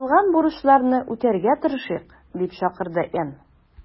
Куелган бурычларны үтәргә тырышыйк”, - дип чакырды Н.